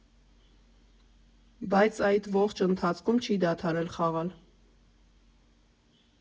Բայց այդ ողջ ընթացքում չի դադարել խաղալ։